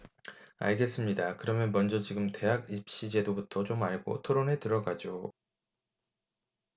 알겠습니다 그러면 먼저 지금 대학입시제도부터 좀 알고 토론에 들어가죠